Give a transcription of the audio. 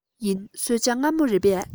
ཡིན གསོལ ཇ མངར མོ རེད པས